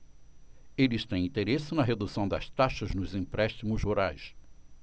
eles têm interesse na redução das taxas nos empréstimos rurais